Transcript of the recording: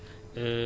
Fatou Sow